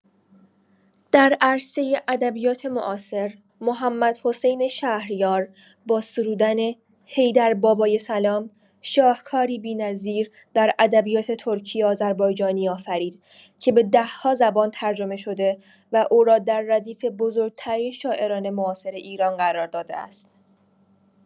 در عرصه ادبیات معاصر، محمدحسین شهریار با سرودن «حیدر بابایه سلام» شاهکاری بی‌نظیر در ادبیات ترکی آذربایجانی آفرید که به ده‌ها زبان ترجمه شده و او را در ردیف بزرگ‌ترین شاعران معاصر ایران قرار داده است.